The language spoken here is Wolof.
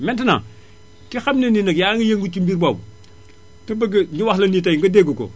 maintenant ki xam ne ni nag yaa ngi yëngu ci mbir boobu te bëgg ñu wax la tay nga dégg ko